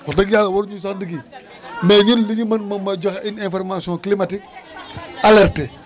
wax dëgg yàlla waruñu sax di kii mais ñun li ñu mën mooy joxe une information climatique alerté